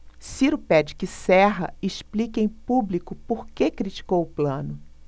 ciro pede que serra explique em público por que criticou plano